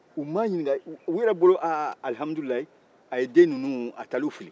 u m'a ɲininka u yɛrɛ bolo alihamudulilayi a taara denw fili